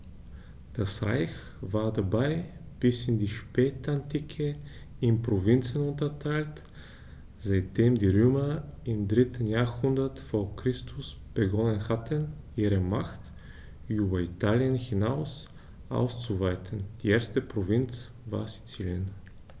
Das Reich war dabei bis in die Spätantike in Provinzen unterteilt, seitdem die Römer im 3. Jahrhundert vor Christus begonnen hatten, ihre Macht über Italien hinaus auszuweiten (die erste Provinz war Sizilien).